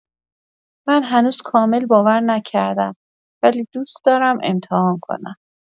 من هنوز کامل باور نکردم، ولی دوست دارم امتحان کنم.